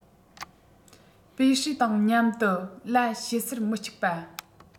པུའུ ཧྲི དང མཉམ དུ ལ བཤད སར མི གཅིག པ